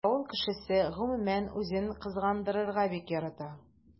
Авыл кешесе гомумән үзен кызгандырырга бик ярата.